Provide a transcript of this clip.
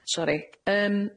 Sori. Yym